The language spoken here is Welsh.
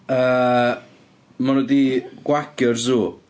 Yy, maen nhw di gwagio'r zoo.